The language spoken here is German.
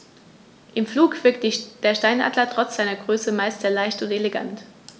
Im Flug wirkt der Steinadler trotz seiner Größe meist sehr leicht und elegant.